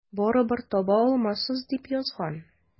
Барыбер таба алмассыз, дип язган.